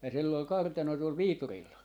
ja sillä oli kartano tuolla Viiturilla